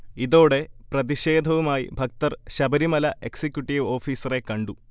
ഇതോടെ പ്രതിഷേധവുമായി ഭക്തർ ശബരിമല എക്സിക്യൂട്ടീവ് ഓഫീസറെ കണ്ടു